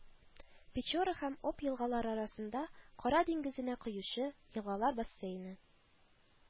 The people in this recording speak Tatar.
Печора һәм Об елгалары арасындагы, Кара диңгезенә коючы, елгалар бассейны